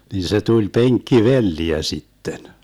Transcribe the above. niin se tuli penkkivelliä sitten